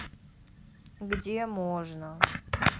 где можно